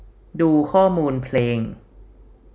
ดูข้อมูลเพลง